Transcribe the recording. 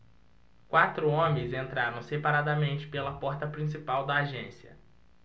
quatro homens entraram separadamente pela porta principal da agência